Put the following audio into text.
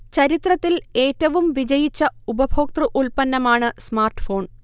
ചരിത്രത്തിൽ ഏറ്റവും വിജയിച്ച ഉപഭോക്തൃ ഉത്പന്നമാണ് സ്മാർട്ഫോൺ